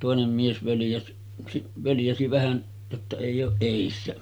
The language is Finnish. toinen mies -- völjäsi vähän jotta ei ole edessä